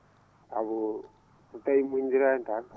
sabu so tawii muñonndiraani tan